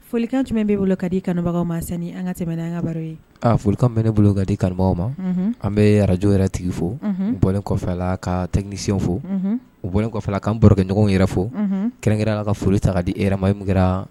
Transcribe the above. Folilikan jumɛn bɛ bolo ka di kanubagaw mas an ka tɛmɛ an ye folikan bɛ ne bolo kadi kanubaw ma an bɛ arajo yɛrɛ tigi fo bɔla ka tɛmɛsi fo u bɔ kɔfɛla ka an barokɛɲɔgɔn yɛrɛ fo kɛrɛnkɛ ka foli ta dimamu kɛra